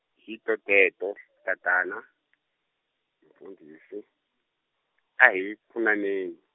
hi toteto tatana, mufundhisi, a hi pfunaneni.